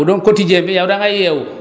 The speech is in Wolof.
bu dee quotidien bi aussi